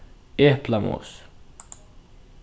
eplamos